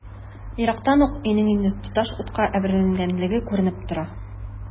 Ерактан ук өйнең инде тоташ утка әверелгәнлеге күренеп тора.